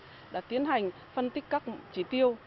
đã tiến hành phân tích các chỉ tiêu